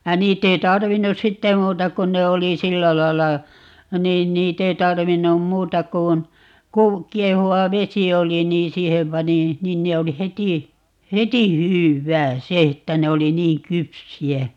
ja niitä ei tarvinnut sitten muuta kuin ne oli sillä lailla niin niitä ei tarvinnut muuta kuin - kiehuva vesi oli niin siihen pani niin ne oli heti heti hyvää se että ne oli niin kypsiä